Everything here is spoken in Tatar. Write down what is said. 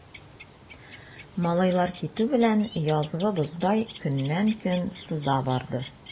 Малайлар китү белән, язгы боздай көннән-көн сыза барды.